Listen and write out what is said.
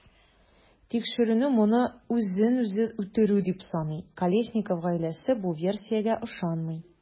Тикшеренү моны үзен-үзе үтерү дип саный, Колесников гаиләсе бу версиягә ышанмый.